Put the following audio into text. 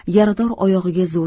yarador oyog'iga zo'r